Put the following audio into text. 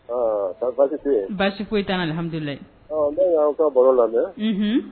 Taa basi basi i taarahamdulɛ ne ka baro lamɛnhun